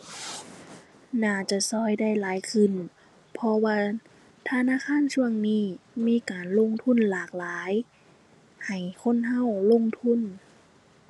หน้าจะช่วยได้หลายขึ้น เพราะว่าธนาคารช่วงนี้มีการลงทุนหลากหลาย ให้คนช่วยลงทุน